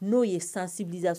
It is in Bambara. N'o ye sensibilisati